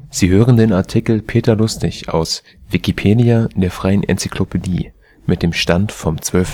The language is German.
Sie hören den Artikel Peter Lustig, aus Wikipedia, der freien Enzyklopädie. Mit dem Stand vom Der